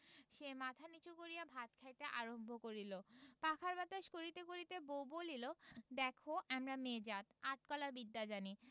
সে মাথা নীচু করিয়া ভাত খাইতে আরম্ভ করিল পাখার বাতাস করিতে করিতে বউ বলিল দেখ আমরা মেয়ে জাত আট কলা বিদ্যা জানি